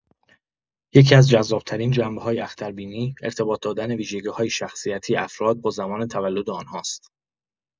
یکی‌از جذاب‌ترین جنبه‌های اختربینی، ارتباط دادن ویژگی‌های شخصیتی افراد با زمان تولد آن‌هاست.